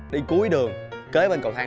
đi cuối đường kế bên cầu thang